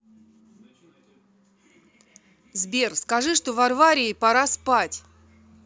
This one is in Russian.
сбер скажи что варварии пора спать